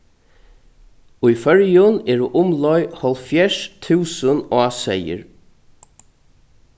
í føroyum eru umleið hálvfjerðs túsund áseyðir